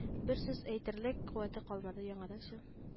Бер сүз әйтерлек куәте калмады яңадан все